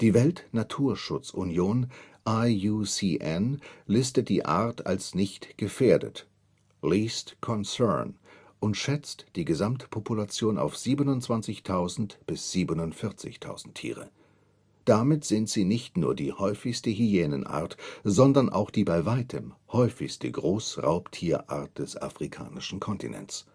Weltnaturschutzunion IUCN listet die Art als „ nicht gefährdet “(least concern) und schätzt die Gesamtpopulation auf 27.000 bis 47.000 Tiere. Damit sind sie nicht nur die häufigste Hyänenart, sondern auch die bei weitem häufigste Großraubtierart des afrikanischen Kontinents